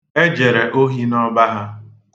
E jere ohi n'ọba ha.